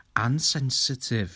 Ansensitif!